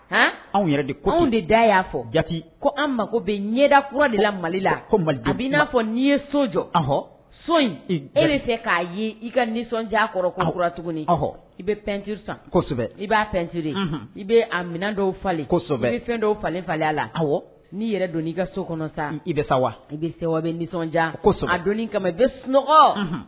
H anw yɛrɛ de ko de da y'a fɔ ja ko an mago bɛ ɲɛdakɔ de la mali la ko mali a' na fɔ n'i ye so jɔ ahɔ so in e bɛ fɛ k'a ye i ka nisɔndiya kɔrɔkura tugunihɔ i bɛ fɛntiri sansɛbɛ i b'a fɛntiri i bɛ a minɛn dɔw falen kosɛbɛ i bɛ fɛn dɔw falen falenya la n'i yɛrɛ don ii ka so kɔnɔ sa i bɛ sa wa i bɛ se wa bɛ nisɔndiyasɔ a don kama bɛ sunɔgɔ